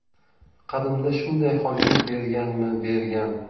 qadimda shunday hol yuz bermaganmi bergan